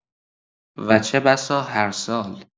و چه‌بسا هر سال!